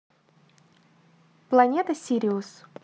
планета сириус